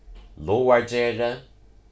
lágargerði